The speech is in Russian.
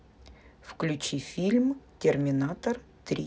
включи фильм терминатор три